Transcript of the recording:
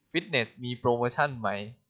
ฟิตเนสมีโปรโมชั่นไหม